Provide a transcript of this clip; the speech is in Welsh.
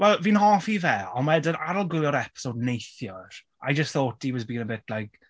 Wel fi'n hoffi fe ond wedyn ar ôl gwylio'r episode neithiwr I just thought he was being a bit like...